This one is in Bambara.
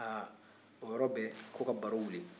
ha o yɔrɔ bɛ ko ka baro wuli